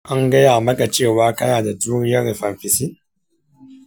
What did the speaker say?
an gaya maka cewa kana da juriyar rifampicin?